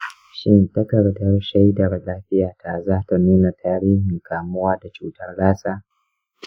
shin takardar shaidar lafiyata za ta nuna tarihin kamuwa da cutar lassa?